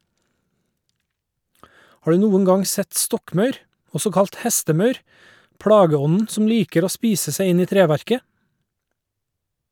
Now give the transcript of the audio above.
Har du noen gang sett stokkmaur, også kalt hestemaur, plageånden som liker å spise seg inn i treverket?